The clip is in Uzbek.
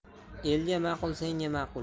elga ma'qul senga ma'qul